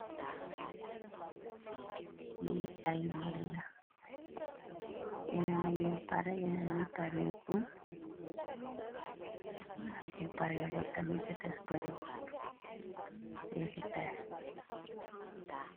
Lee ay ngig la yenen pare yenen yi parengot pareegot tam. Yusi des barewot leega tey.